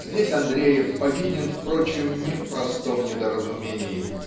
Здесь Андреев повинен, впрочем, не в простом недоразумении